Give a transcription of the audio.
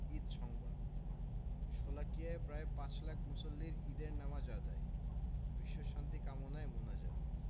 ঈদ সংবাদ শোলাকিয়ায় প্রায় পাঁচ লাখ মুসল্লির ঈদের নামাজ আদায় বিশ্বশান্তি কামনায় মোনাজাত